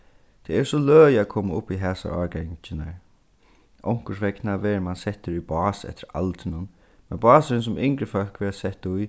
tað er so løgið at koma upp í hasar árgangirnar onkursvegna verður mann settur í bás eftir aldrinum men básurin sum yngri fólk verða sett í